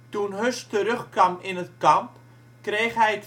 Toen Höss terugkwam in het kamp, kreeg hij